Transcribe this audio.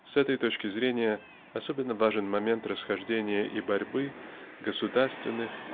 С этой точки зрения особенно важен момент расхождения и борьбы государственных